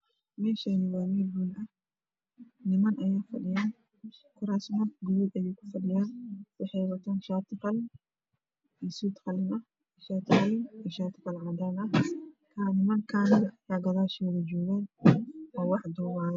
Meeshani waa meel hool ah niman ayaa fadhiyaan kuraasman guduud ah ayay ku fadhiyaan waxay wataan shati qalin iyo suud qalin ah shaati qalin iyo shaati kaloo cadaan ah nimankan nimankala gadaashoda jogan oo wax duubayan